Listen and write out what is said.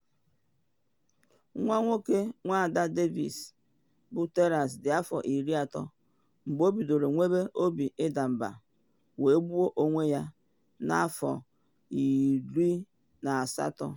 Nwa nwoke Nwada Davis bụ Tyler dị afọ 13 mgbe o bidoro nwebe obi ịda mba wee gbuo onwe ya n’afọ 18.